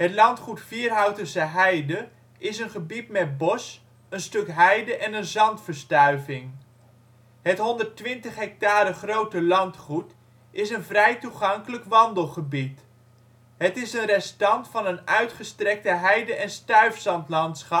landgoed Vierhoutense Heide is een gebied met bos, een stuk heide en een zandverstuiving. Het 120 hectare grote landgoed is een vrij toegankelijk wandelgebied. Het is een restant van een uitgestrekt heide - en stuifzandlandschap dat